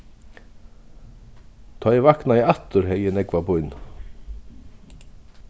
tá eg vaknaði aftur hevði eg nógva pínu